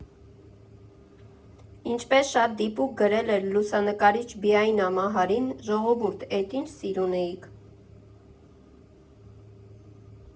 Ինչպես շատ դիպուկ գրել էր լուսանկարիչ Բիայնա Մահարին՝ «ժողովուրդ էդ ինչ սիրուն էիք.